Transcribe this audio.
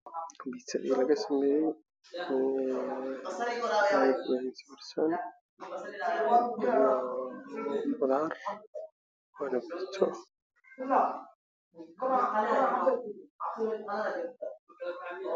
Meeshaan wax yaalo boor yar oo ku qorantahay piiza hood waxaan hoostiisa ku sawiran cuntooyin nooc walba oo macaan oo fara badan